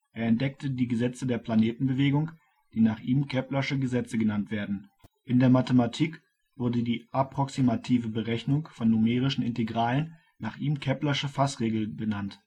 entdeckte die Gesetze der Planetenbewegung, die nach ihm Keplersche Gesetze genannt werden. In der Mathematik wurde die approximative Berechnung von numerischen Integralen nach ihm Keplersche Fassregel benannt